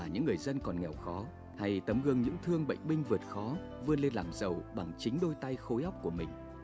và những người dân còn nghèo khó hay tấm gương những thương bệnh binh vượt khó vươn lên làm giàu bằng chính đôi tay khối óc của mình